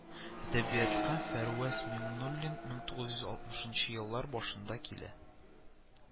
Әдәбиятка Фәрваз Миңнуллин мең тугыз йөз алтмышынчы еллар башында килә